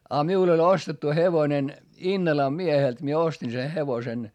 ja minulla oli ostettu hevonen Innalan mieheltä minä ostin sen hevosen